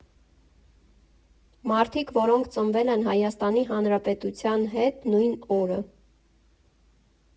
Մարդիկ, որոնք ծնվել են Հայաստանի Հանրապետության հետ նույն օրը։